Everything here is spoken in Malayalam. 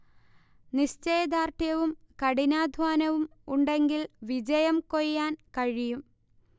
നിശ്ചയ ദാർഢ്യവും കഠിനാധ്വാനവും ഉണ്ടെങ്കിൽ വിജയം കൊയ്യാൻ കഴിയും